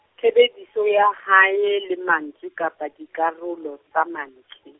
tshebediso ya hae le mantswe kapa dikarolo, tsa mantswe.